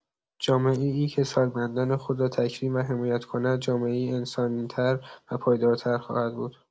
جامعه‌ای که سالمندان خود را تکریم و حمایت کند، جامعه‌ای انسانی‌تر و پایدارتر خواهد بود.